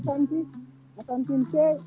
a tampi a tampi no fewi